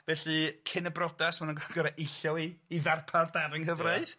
Felly cyn y brodas ma' nw'n goch- gor'o eillio 'i 'i ddarpar darn yng nghyfraith. Ia.